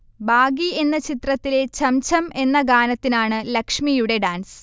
'baggy' എന്ന ചിത്രത്തിലെ 'ഛംഛം' എന്ന ഗാനത്തിനാണ് ലക്ഷ്മിയുടെ ഡാൻസ്